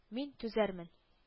Мин түзәрмен